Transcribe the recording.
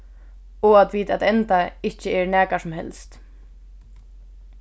og at vit at enda ikki eru nakar sum helst